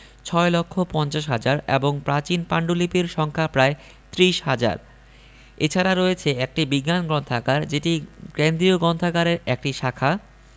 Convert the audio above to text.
৬ লক্ষ ৫০ হাজার এবং প্রাচীন পান্ডুলিপির সংখ্যা প্রায় ত্রিশ হাজার এছাড়া রয়েছে একটি বিজ্ঞান গ্রন্থাগার যেটি কেন্দ্রীয় গ্রন্থাগারের একটি শাখা